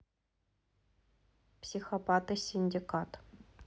психопаты синдикат